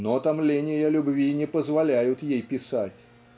Но томления любви не позволяют ей писать